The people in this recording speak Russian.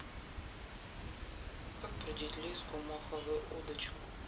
как продеть леску в маховую удочку